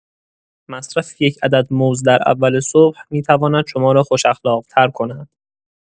مصرف یک عدد موز در اول صبح می‌تواند شما را خوش‌اخلاق‌تر کند!